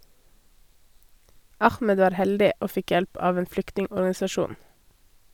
Ahmed var heldig, og fikk hjelp av en flyktningorganisasjon.